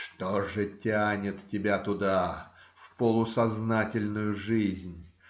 - Что же тянет тебя туда, в полусознательную жизнь?